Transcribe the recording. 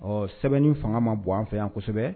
Ɔ sɛbɛnni fanga ma bon, an fɛ yan kosɛbɛ